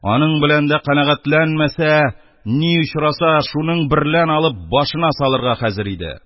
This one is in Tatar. Аның белә дә канәгатьләнмәсә, ни очраса, шуның берлән алып башына салырга хәзер иде.